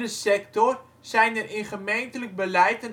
sector zijn er in gemeentelijk beleid